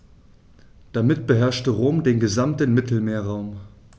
Damit beherrschte Rom den gesamten Mittelmeerraum.